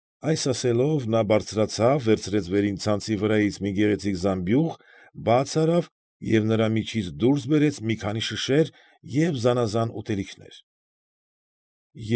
Այս ասելով, նա բարձրացավ, վերցրեց վերին ցանցի վրայից մի գեղեցիկ զամբյուղ, բաց արավ և նրա միջից դուրս բերեց մի քանի շշեր և զանազան ուտելիքներ։